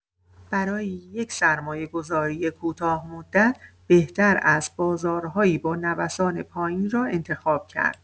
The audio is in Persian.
برای یک سرمایه‌گذاری کوتاه‌مدت، بهتر است بازارهایی با نوسان پایین را انتخاب کرد.